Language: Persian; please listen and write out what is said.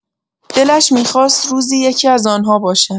دلش می‌خواست روزی یکی‌از آن‌ها باشد.